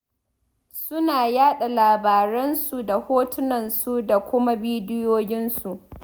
Suna yaɗa labaransu da hotunansu da kuma bidiyoyinsu.